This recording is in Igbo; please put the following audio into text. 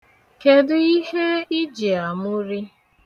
Kedu ihe ị ji amụrị?